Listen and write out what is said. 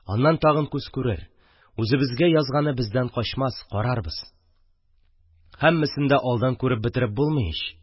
Аннан тагын күз күрер, үзебезгә язганы бездән качмас, карарбыз, һәммәсен дә алдан күреп бетереп булмый ич!